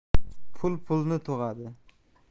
pul pulni tug'adi